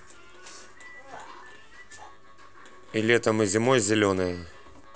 и летом и зимой зеленая